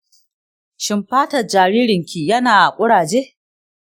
shin fatan jaririnki yana kuraje?